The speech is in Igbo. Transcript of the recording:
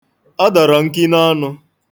Ọ dọrọ nki n'ọnụ.